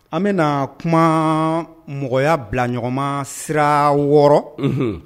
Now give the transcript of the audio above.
An bena kumaa mɔgɔya bilaɲɔgɔnmaa siraa 6 unhun